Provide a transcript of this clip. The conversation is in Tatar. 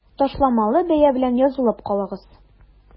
Ташламалы бәя белән язылып калыгыз!